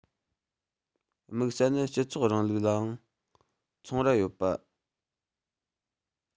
དམིགས ས ནི སྤྱི ཚོགས རིང ལུགས ལའང ཚོང ར ཡོད པ